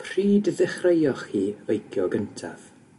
Pryd ddechreuoch chi beicio gyntaf?